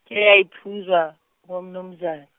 ke ayephuzwa, ngumnumzane.